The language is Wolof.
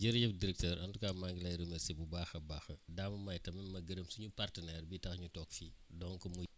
jërëjëf diracteur en tout cas maa ngi lay remercié bu baax a baax daa ma may tamit ma gërëm suñu partenaire bi tax ñu toog fii donc muy